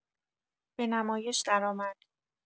به نمایش درآمد.